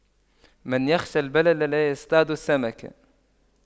من يخشى البلل لا يصطاد السمك